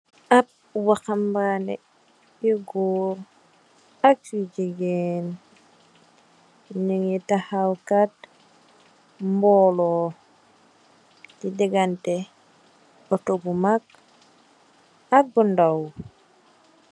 Ab wahabane yu goor ak jigeen nigi kat buloo ci dingateh oto bu mak ak bu naw.